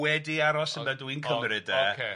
Wedi aros ydw i'n cymryd 'de. O ocê.